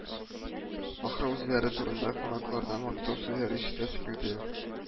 Ахры, үзләре турында кунаклардан мактау сүзләре ишетәсе килде